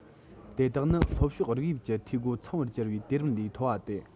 དེ དག ནི ལྷོ ཕྱོགས རིགས དབྱིབས ཀྱི འཐུས སྒོ ཚང བར གྱུར པའི དུས རིམ ལས མཐོ བ སྟེ